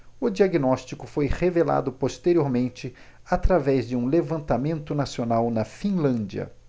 o diagnóstico foi revelado posteriormente através de um levantamento nacional na finlândia